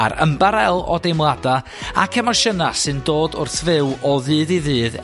A'r ymbarél o deimlada', ac emosiyna' sy'n dod wrth fyw o ddydd i ddydd